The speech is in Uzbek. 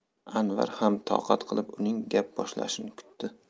anvar ham toqat qilib uning gap boshlashini kutdi